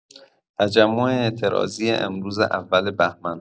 تجمع اعتراضی امروز اول بهمن